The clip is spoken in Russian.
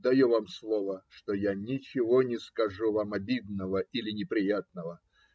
Даю вам слово, что я ничего не скажу вам обидного или неприятного.